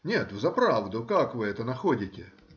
Нет, взаправду, как вы это находите?